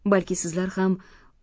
balki sizlar ham